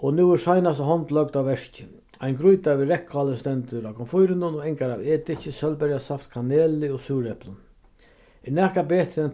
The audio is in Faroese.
og nú er seinasta hond løgd á verkið ein grýta við reyðkáli stendur á komfýrinum og angar av ediki sólberjasaft kaneli og súreplum er nakað betur enn